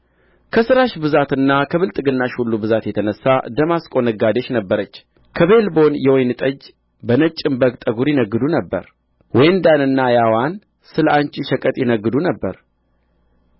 ከሥራሽ ብዛትና ከብልጥግናሽ ሁሉ ብዛት የተነሣ ደማስቆ ነጋዴሽ ነበረች በኬልቦን የወይን ጠጅ በነጭም በግ ጠጕር ይነግዱ ነበር ዌንዳንና ያዋን ስለ አንቺ ሸቀጥ ይነግዱ ነበር